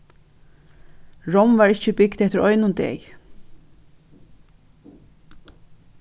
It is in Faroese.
rom varð ikki bygt eftir einum degi